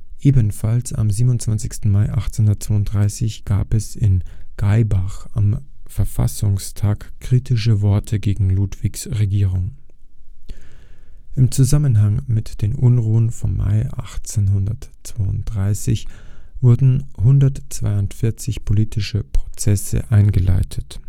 Ebenfalls am 27. Mai 1832 gab es in Gaibach am Verfassungstag kritische Worte gegen Ludwigs Regierung. Im Zusammenhang mit den Unruhen vom Mai 1832 wurden 142 politische Prozesse eingeleitet